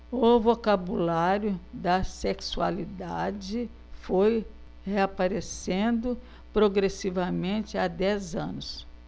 o vocabulário da sexualidade foi reaparecendo progressivamente há dez anos